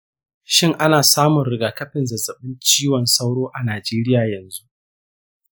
shin ana samun rigakafin zazzaɓin cizon sauro a najeriya yanzu?